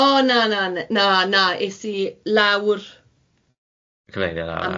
O na na na na, es i lawr ... cyfeiriad arall?